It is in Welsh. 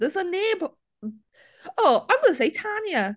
Does 'na neb... oh I'm going to say Tanya.